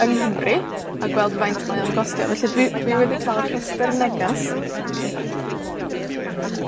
yng Nghymru, a gweld faint mae o'n gostio. Felly, dwi, dwi wedi ca'l rhestyr negas